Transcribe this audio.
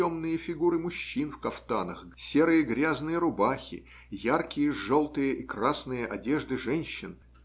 темные фигуры мужчин в кафтанах, серые грязные рубахи, яркие желтые и красные одежды женщин